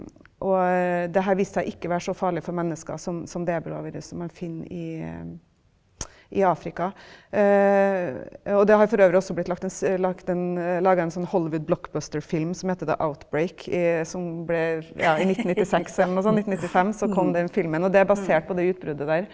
og det her viste seg å ikke være så farlig for mennesker som som det ebolaviruset som man finner i i Afrika, og det har for øvrig også blitt laget en laget en laga en sånn Hollywood-blockbuster-film som heter The Outbreak som ble ja i 1996 eller noe sånn 1995 så kom den filmen, og det er basert på det utbruddet der.